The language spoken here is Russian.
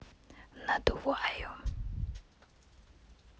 надуваю